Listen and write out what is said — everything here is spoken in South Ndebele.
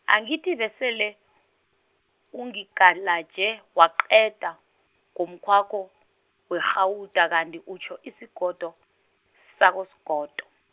angithi besele, ungigalaje waqeda, ngomukhwakho werhawuda kanti utjho isigodo, sakosigodo.